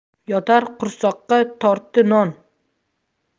yotar qursoqqa yorti non